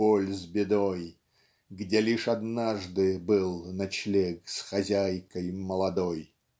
боль с бедой, Где лишь однажды был ночлег С хозяйкой молодой.